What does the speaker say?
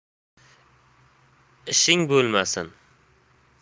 ishing bo'lmasin